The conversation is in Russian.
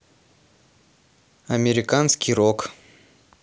американский рок